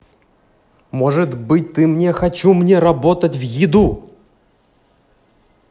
может быть ты мне хочу мне работать в еду